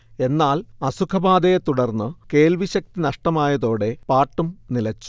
എന്നാൽ അസുഖബാധയെ തുടർന്ന് കേൾവിശക്തി നഷ്ടമായതോടെ പാട്ടും നിലച്ചു